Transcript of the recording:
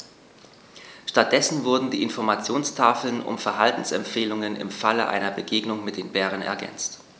Stattdessen wurden die Informationstafeln um Verhaltensempfehlungen im Falle einer Begegnung mit dem Bären ergänzt.